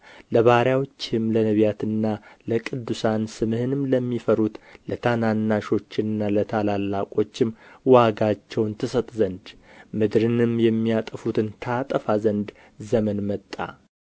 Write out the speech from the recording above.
ለባሪያዎችህም ለነቢያትና ለቅዱሳን ስምህንም ለሚፈሩት ለታናናሾችና ለታላላቆችም ዋጋቸውን ትሰጥ ዘንድ ምድርንም የሚያጠፉትን ታጠፋ ዘንድ ዘመን መጣ